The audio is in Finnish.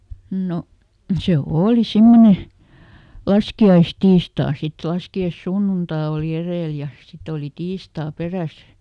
no se oli semmoinen laskiaistiistai sitten laskiaissunnuntai oli edellä ja sitten oli tiistai perässä